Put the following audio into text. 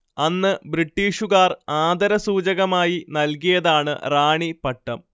അന്ന് ബ്രിട്ടീഷുകാർ ആദരസൂചകമായി നൽകിയതാണ് റാണി പട്ടം